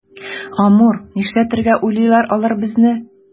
Амур, нишләтергә уйлыйлар алар безне?